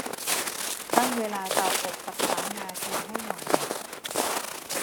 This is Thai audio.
ตั้งเวลาเตาอบสักสามนาทีให้หน่อย